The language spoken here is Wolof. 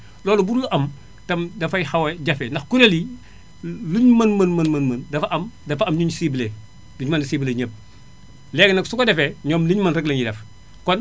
loolu budul am itam dafay xaw a jafe ndax kuréel yi lu ñu mën mën mën mën dafa am dafa am lu ñu ciblé duñu mën a ciblé ñépp léegi nag su ko defee ñoom li ñu mën rek lañuy def